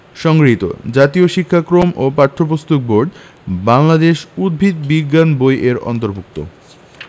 সংগৃহীত জাতীয় শিক্ষাক্রম ও পাঠ্যপুস্তক বোর্ড বাংলাদেশ উদ্ভিদ বিজ্ঞান বই এর অন্তর্ভুক্ত